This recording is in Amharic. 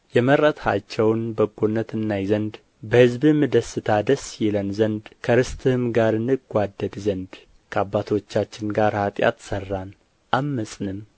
የመረጥሃቸውን በጎነት እናይ ዘንድ በሕዝብህም ደስታ ደስ ይለን ዘንድ ከርስትህም ጋር እንጓደድ ዘንድ ከአባቶቻችን ጋር ኃጢአትን ሠራን ዐመፅንም